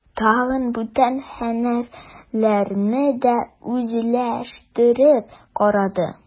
Тагын бүтән һөнәрләрне дә үзләштереп карады.